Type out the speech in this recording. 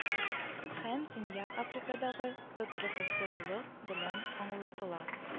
Һәм төньяк африкадагы тотрыксызлык белән аңлатыла